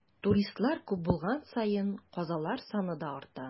Туристлар күп булган саен, казалар саны да арта.